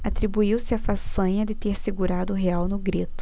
atribuiu-se a façanha de ter segurado o real no grito